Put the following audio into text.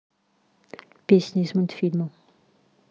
песни из мультфильма